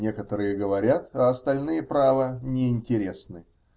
-- Некоторые говорят, а остальные, право, не интересны.